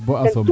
bo a sooɓeem